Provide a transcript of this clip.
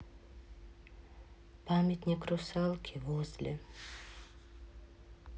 памятник русалки возле